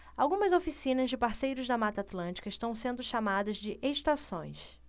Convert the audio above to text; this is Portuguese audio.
algumas oficinas de parceiros da mata atlântica estão sendo chamadas de estações